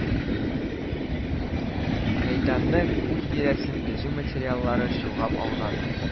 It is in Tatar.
Мәйданны, күл тирәсен төзү материаллары чолгап алган